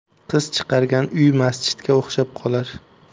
qiz chiqargan uy masjidga o'xshab qolar